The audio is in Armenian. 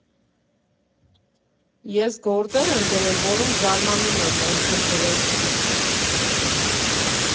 Ես գործեր եմ գրել, որոնք, զարմանում եմ, ոնց եմ գրել։